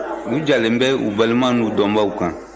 u jalen bɛ u balimaw n'u dɔnbagaw kan